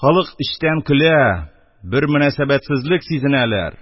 Халык эчтән көлә, бер мөнәсәбәтсезлек сизенәләр,